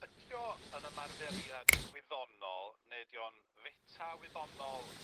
Yti o yn ymarferiad gwyddonol neu ydi o'n feta-wyddonol?